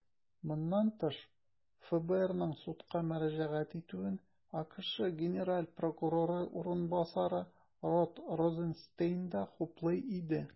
Моннан тыш, ФБРның судка мөрәҗәгать итүен АКШ генераль прокуроры урынбасары Род Розенстейн да хуплый иде.